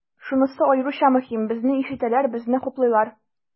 Шунысы аеруча мөһим, безне ишетәләр, безне хуплыйлар.